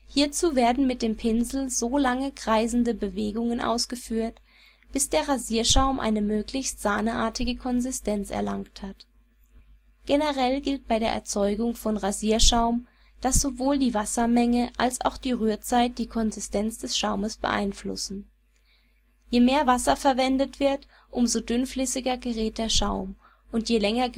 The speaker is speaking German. Hierzu werden mit dem Pinsel so lange kreisende Bewegungen ausgeführt, bis der Rasierschaum eine möglichst sahneartige Konsistenz erlangt hat. Generell gilt bei der Erzeugung von Rasierschaum, dass sowohl die Wassermenge als auch die Rührzeit die Konsistenz des Schaums beeinflussen. Je mehr Wasser verwendet wird, umso dünnflüssiger gerät der Schaum. Und je länger